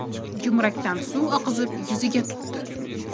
jumrakdan suv oqizib yuziga tutdi